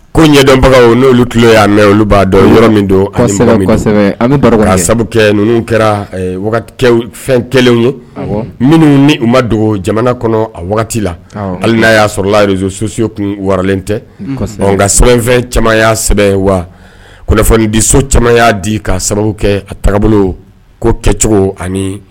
Ko ɲɛdɔnbagaw n'olu tulo y'a mɛn oluba dɔn yɔrɔ min don sabu ninnu kɛra fɛn kɛlenw ye minnu ni u ma dogo jamana kɔnɔ a wagati la hali n'a y'a sɔrɔresosuye tun waralen tɛ nka nka sɛbɛnfɛn camanya sɛ wa kunnafonidiso camanya di ka sababu kɛ a taabolo ko kɛcogo ani